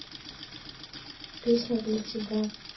песня для тебя